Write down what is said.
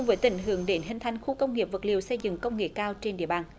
với tỉnh hưởng đến hình thành khu công nghiệp vật liệu xây dựng công nghệ cao trên địa bàn